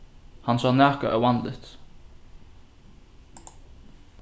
hann sá nakað óvanligt